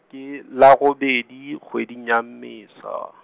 ke la robedi, kgweding ya Mmesa.